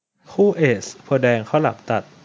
คู่เอซโพธิ์แดงข้าวหลามตัด